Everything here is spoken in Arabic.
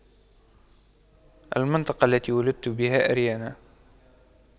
المنطقة التي ولدت بها اريانا